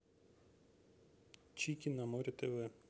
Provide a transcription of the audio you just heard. чики на море тв